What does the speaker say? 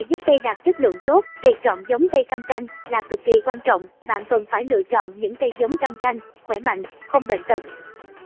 để giúp cây đạt chất lượng tốt việc chọn giống cây cam canh là cực kì quan trọng bạn cần phải lựa chọn những cây giống cam canh khoẻ mạnh không bệnh tật